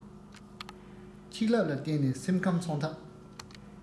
ཆིག ལབ ལ བརྟེན ནས སེམས ཁམས མཚོན ཐབས